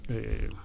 ehhh